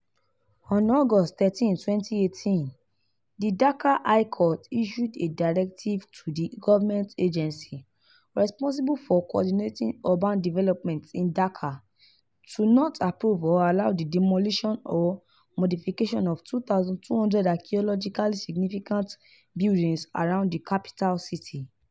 On August 13, 2018, the Dhaka High Court issued a directive to the government agency responsible for coordinating urban development in Dhaka to not approve or allow the demolition or modification of 2,200 archaeologically significant buildings around the capital city.